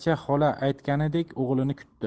xola aytganidek o'g'lini kutdi